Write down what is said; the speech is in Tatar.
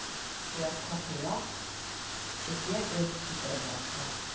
Тоякка тояк, эзгә эз китереп баскан.